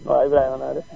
waaw Ibrahima nanga def